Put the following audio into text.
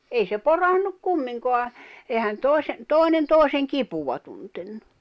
ei se porannut kumminkaan eihän toisen toinen toisen kipua tuntenut